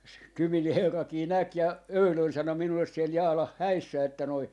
- Kymin herrakin näki ja eilen sanoi minulle siellä Jaalan häissä että nuo